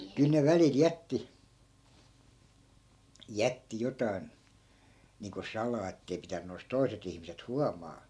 kyllä ne välillä jätti jätti jotakin niin kuin salaa että ei pitänyt olisi toiset ihmiset huomata